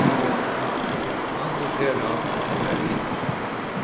antin fer hann ella fari eg